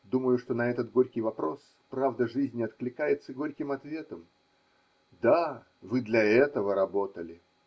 Думаю, что на этот горький вопрос правда жизни откликается горьким ответом: да. вы для этого работали.